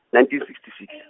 nineteen sixty six.